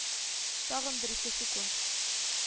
Тагын бер-ике секунд